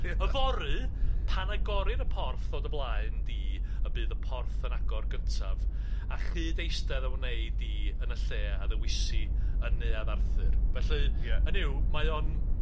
Yfory pan agorir y porth o dy blaen di y bydd y porth yn agor gyntaf a chyd eistedd a wnei di yn y lle a ddewisi yn neuadd Arthur felly... Ia. ...hynny yw mae o'n